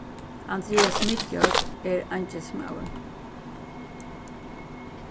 andrias midjord er eingilskmaður